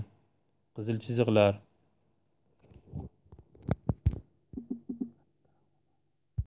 qizil chiziqlar